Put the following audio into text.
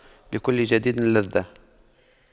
لكل جديد لذة